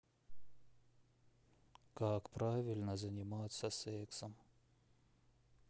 как правильно заниматься сексом